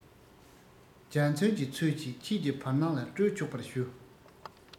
འཇའ ཚོན གྱི ཚུལ གྱིས ཁྱེད ཀྱི བར སྣང ལ སྤྲོས ཆོག པར ཞུ